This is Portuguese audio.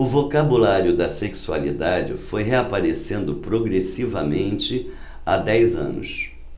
o vocabulário da sexualidade foi reaparecendo progressivamente há dez anos